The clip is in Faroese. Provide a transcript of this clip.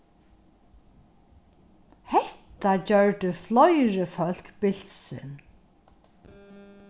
hetta gjørdi fleiri fólk bilsin